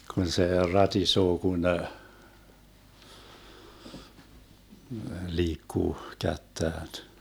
kun se ratisee kun liikkuu kättään